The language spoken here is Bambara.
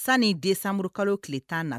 Sanu den sanburu kalo tile tan na